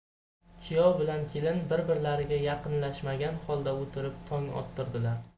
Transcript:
kuyov bilan kelin bir birlariga yaqinlashmagan holda o'tirib tong ottirdilar